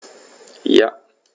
Ja.